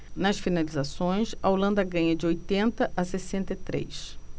nas finalizações a holanda ganha de oitenta a sessenta e três